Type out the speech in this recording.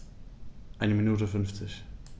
Eine Minute 50